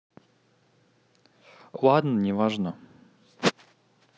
ладно неважно